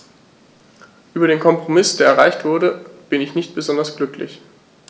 Über den Kompromiss, der erreicht wurde, bin ich nicht besonders glücklich.